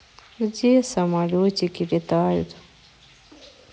где самолетики летают